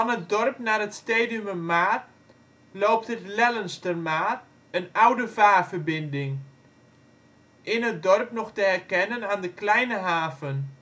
het dorp naar het Stedumermaar loopt het Lellenstermaar, een oude vaarverbinding. In het dorp nog te herkennen aan de kleine haven